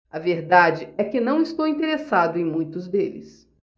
a verdade é que não estou interessado em muitos deles